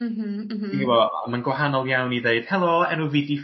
M-hm m-hm. Ti'n gwbo a mae'n gwahanol iawn i ddeud helo enw fi 'di...